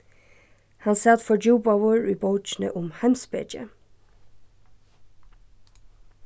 hann sat fordjúpaður í bókini um heimspeki